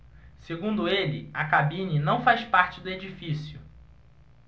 segundo ele a cabine não faz parte do edifício